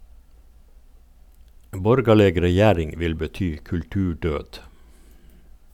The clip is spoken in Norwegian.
Borgarleg regjering vil bety kulturdød.